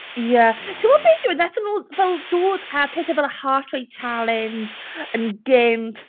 Ie, ti'n gwybod beth yw wnaethon nhw fel dod a pethau fel y heart rate challenge yn gynt...